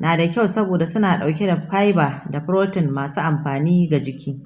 na da kyau saboda suna ɗauke da fiber da protein masu amfani ga jiki.